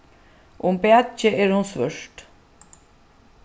um bakið er hon svørt